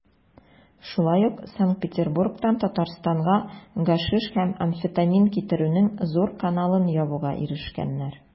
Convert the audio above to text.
Шулай ук Санкт-Петербургтан Татарстанга гашиш һәм амфетамин китерүнең зур каналын ябуга ирешкәннәр.